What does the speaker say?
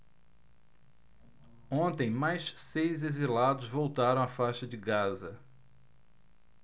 ontem mais seis exilados voltaram à faixa de gaza